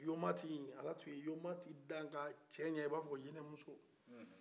yomati ala tun yomati da ka a cɛɲɛ i b'a fɔ ko jinɛ muso